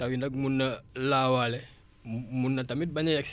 taw yi nag mun na laawaale mun na tamit bañ a yegg si